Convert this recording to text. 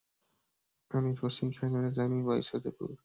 امیرحسین کنار زمین وایساده بود.